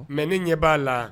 Mɛ ne ɲɛ b'a la